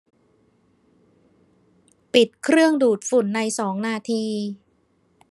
ปิดเครื่องดูดฝุ่นในสองนาที